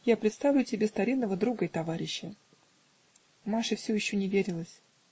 я представлю тебе старинного друга и товарища". Маше все еще не верилось.